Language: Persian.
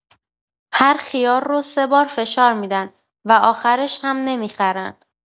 هر خیار رو سه بار فشار می‌دن و آخرش هم نمی‌خرن.